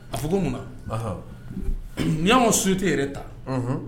A ko ko munna ɲɔn so tɛ yɛrɛ ta